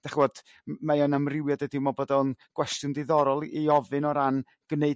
dych'mod m- mae o'n amrywiad a dwi m'wl bod o'n gwestiwn diddorol i ofyn o ran gwneud